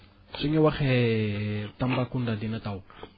suñu waxee Tambacounda dina taw